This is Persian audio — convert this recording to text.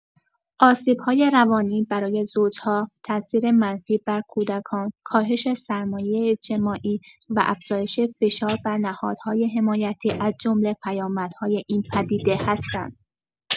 آسیب‌های روانی برای زوج‌ها، تاثیر منفی بر کودکان، کاهش سرمایه اجتماعی و افزایش فشار بر نهادهای حمایتی، از جمله پیامدهای این پدیده هستند.